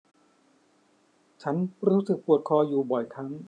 ฉันรู้สึกปวดคออยู่บ่อยครั้ง